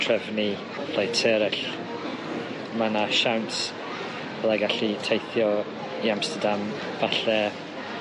trefnu flights eryll. Ma' 'na siawns byddai gallu teithio i Amsterdam falle